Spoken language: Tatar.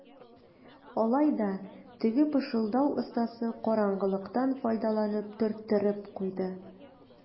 Алай да теге пышылдау остасы караңгылыктан файдаланып төрттереп куйды.